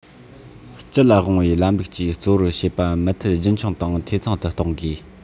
སྤྱི ལ དབང བའི ལམ ལུགས ཀྱིས གཙོ བོར བྱེད པ མུ མཐུད རྒྱུན འཁྱོངས དང འཐུས ཚང དུ གཏོང དགོས